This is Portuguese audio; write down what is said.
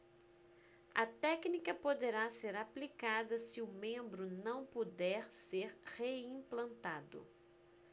a técnica poderá ser aplicada se o membro não puder ser reimplantado